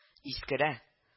Искерә